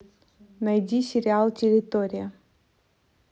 найди сериал территория